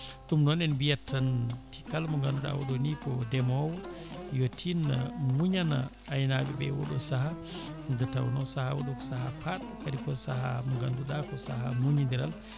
ɗum noon en mbiyat tan kalmo ganduɗa oɗo ni ko ndeemowo yo tinno muñana aynaɓeɓe oɗo saaha nde tawno saaha oɗo ko saaha paɗɗo kadi ko saaha mo ganduɗa ko saaha muñodiral